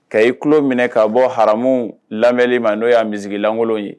Ka i tulo minɛ ka bɔ ha lamɛnli ma n' y'a misilankolon ye